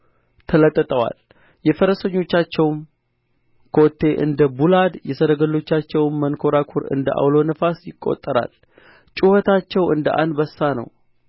ተለጥጠዋል የፈረሶቻቸውም ኮቴ እንደ ቡላድ የሰረገሎቻቸውም መንኰራኵር እንደ ዐውሎ ነፋስ ይቈጠራል ጩኸታቸው እንደ አንበሳ ነው